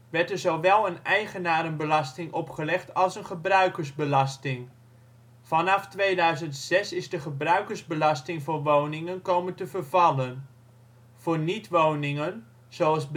werd er zowel een eigenarenbelasting opgelegd als een gebruikersbelasting. Vanaf 2006 is de gebruikersbelasting voor woningen komen te vervallen. Voor niet-woningen, zoals